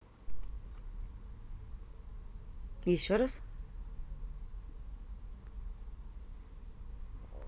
еще раз